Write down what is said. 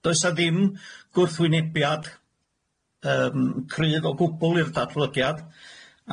doesa ddim gwrthwynebiad yym cryf o gwbwl i'r datblygiad a